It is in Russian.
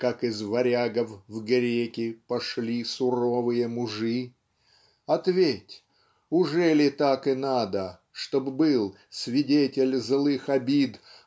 как из Варягов в Греки Пошли суровые мужи? Ответь ужели так и надо Чтоб был свидетель злых обид